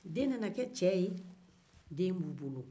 den nana kɛ cɛ ye den bɛ u bolo